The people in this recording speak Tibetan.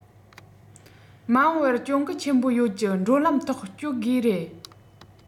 མ འོངས པར གྱོང གུན ཆེན པོ ཡོད ཀྱི འགྲོ ལམ ཐོག སྐྱོད དགོས རེད